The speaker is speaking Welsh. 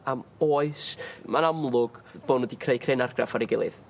am oes ma'n amlwg bo' nw 'di creu cryn argraff ar 'i gilydd.